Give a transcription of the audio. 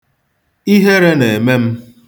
Ihere na-eme m.